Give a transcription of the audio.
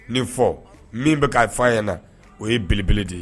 Nin fɔ min bɛ k kaa fɔ ɲɛna na o ye belebele de ye